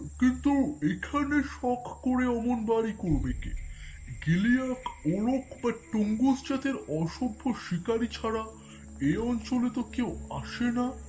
কিন্তু এখানে শখ করে অমন বাড়ি করবে কে গিলিয়াক ওরোক বা টুঙ্গুস জাতের অসভ্য শিকারি ছাড়া এক অঞ্চলে তো কেউ আসে না